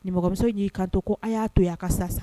Nimɔgɔmuso y'i kanto to ko a y'a to a ka sa sa